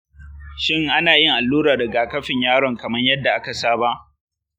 shin anayin allurar rigakafin yaron kamar yadda aka tsara?